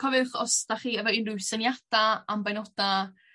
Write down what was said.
Cofiwch os dach chi efo unrhyw syniada am baenoda